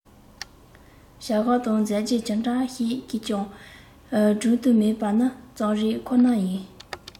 བྱ བཞག དང མཛད རྗེས ཇི འདྲ ཞིག གིས ཀྱང བསྒྲུན དུ མེད པ ནི རྩོམ རིག ཁོ ན ཡིན